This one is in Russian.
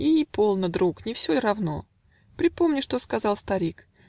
И, полно, друг; не все ль равно? Припомни, что сказал сатирик!